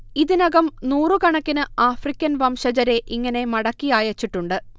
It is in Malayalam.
ഇതിനകം നൂറു കണക്കിന് ആഫ്രിക്കൻ വംശജരെ ഇങ്ങനെ മടക്കി അയച്ചിട്ടുണ്ട്